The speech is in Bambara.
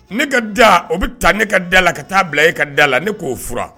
Ne ka da o bɛ taa ne ka da la ka taa bila e ka da la ne k'o fura